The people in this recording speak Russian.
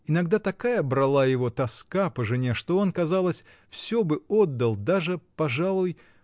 Иногда такая брала его тоска по жене, что он, казалось, все бы отдал, даже, пожалуй.